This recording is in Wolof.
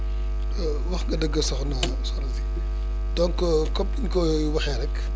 wax nga dëgg Sokhna Sokhna si donc comme niñ koy waxee rek